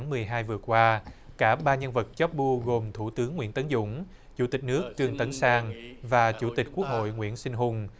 mười hai vừa qua cả ba nhân vật chóp bu gồm thủ tướng nguyễn tấn dũng chủ tịch nước trương tấn sang và chủ tịch quốc hội nguyễn sinh hùng